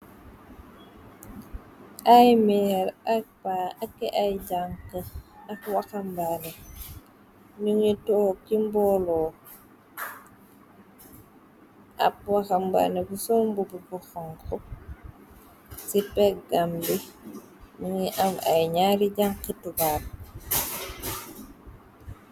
Ay mer ay pa ak ay janq ak waxambaané mingi toog ci mboolo ab waxambanné bu sol mbobu bu xonxo ci peg gam bi mingi am ay ñaari janxitubaarbi.